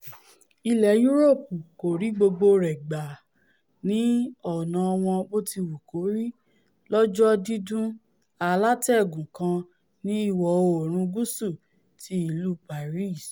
Ilẹ̀ Yúróòpù kòrí gbogbo rẹ̀ gbà ní ọ̀nà wọn bottiwukori lọ̀jọ̀ dídún, alátẹ́gùn kan ní ìwọ-oòrùn gúúsù ti ìlú Paris.